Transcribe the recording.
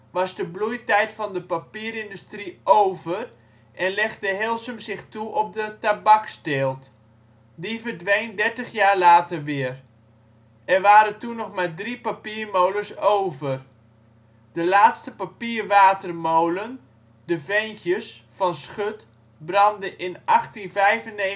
was de bloeitijd van de papierindustrie over en legde Heelsum zich toe op de tabaksteelt. Die verdween dertig jaar later weer. Er waren toen nog maar drie papiermolens over. De laatste papier-watermolen, “De Veentjes” van Schut, brandde in 1895 af. In